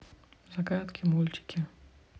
загадки мультики